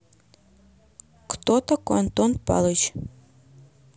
кто такой антон палыч